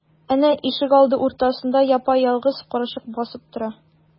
Әнә, ишегалды уртасында япа-ялгыз карчык басып тора.